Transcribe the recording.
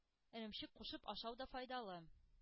Эремчек кушып ашау да файдалы.